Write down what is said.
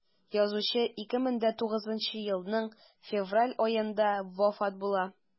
Язучы 2009 елның февраль аенда вафат була.